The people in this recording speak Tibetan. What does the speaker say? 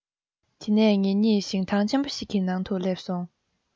དེ ནས ངེད གཉིས ཞིང ཐང ཆེན པོ ཞིག གི ནང དུ སླེབས སོང